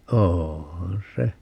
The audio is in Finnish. onhan se